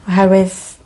Oherwydd